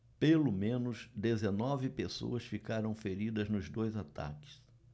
pelo menos dezenove pessoas ficaram feridas nos dois ataques